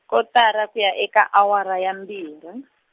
kotara ku ya eka awara ya mbirhi.